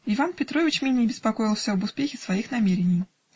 Иван Петрович менее беспокоился об успехе своих намерений.